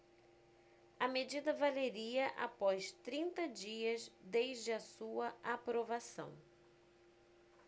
a medida valeria após trinta dias desde a sua aprovação